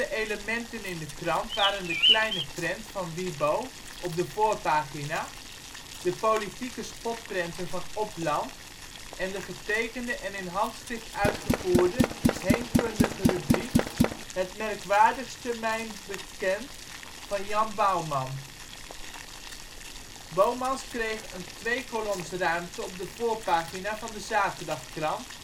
elementen in de krant waren de kleine prent van Wibo (Wim Boost) op de voorpagina, de politieke spotprenten van Opland, en de getekende en in handschrift uitgevoerde heemkundige rubriek " Het merckwaerdigste meyn bekent " van Jan Bouman. Bomans kreeg een tweekoloms ruimte op de voorpagina van de zaterdagkrant